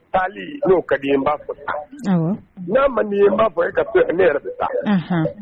Taa n'o ka di n' fɔ n'a man i ye n baa fɔ e ka ne yɛrɛ bɛ taa